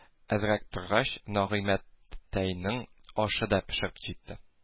Әзрәк торгач нагыймәттәйнең ашы да пешеп җитте